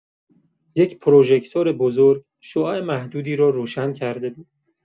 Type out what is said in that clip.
یک پروژکتور بزرگ، شعاع محدودی را روشن کرده بود.